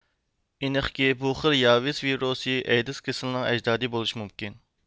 ئېنىقكى بۇ خىل ياۋىس ۋىرۇسى ئەيدىز كېسىلىنىڭ ئەجدادى بولۇشى مۇمكىن